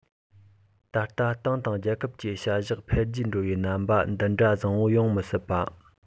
ད ལྟ ཏང དང རྒྱལ ཁབ ཀྱི བྱ གཞག འཕེལ རྒྱས འགྲོ བའི རྣམ པ འདི འདྲ བཟང པོ ཡོང མི སྲིད པ